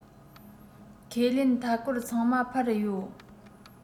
ཁས ལེན མཐའ སྐོར ཚང མ འཕར ཡོད